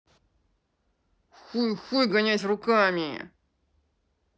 хуйхуй гонять руками